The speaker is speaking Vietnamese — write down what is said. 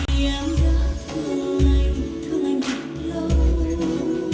từng ngày em luôn